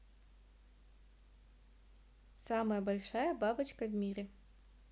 самая большая бабочка в мире